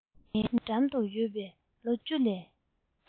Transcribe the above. ངའི འགྲམ དུ ཡོད པའི ལོ བཅུ ལས